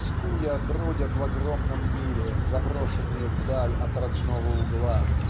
тоскуя, бродят в огромном мире, заброшенные вдаль от родного угла.